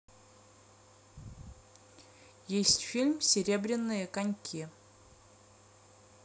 есть фильм серебряные коньки